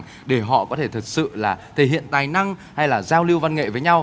để họ có thể thật sự là thể hiện tài năng hay là giao lưu văn nghệ với nhau